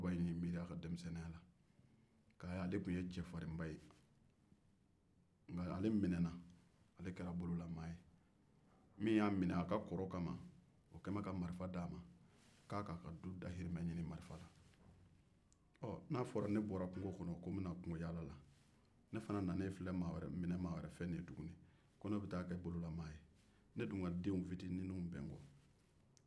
ale tun ye cɛfarinba ye nka ale minɛna ale kɛra bololamaa ye min y'a mine o kɛlen bɛ ka marifa di a ma k'a ka du dahirimɛ ɲini marifa la n'a fɔra ne bɔra kungo ko n bɛ na kungoyaala la ne fana minɛna maa wɛrɛ ko n bɛ taa kɛ bololamaa ye ne dun ka denw fitinin bɛ n kɔ